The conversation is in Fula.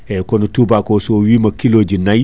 eyyi kono toubak o so wiima kiloji nayyi